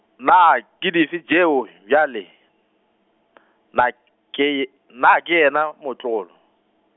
na ke dife tšeo bjale , na ke y-, na ke yena motlolo?